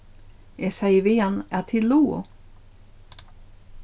eg segði við hann at tit lugu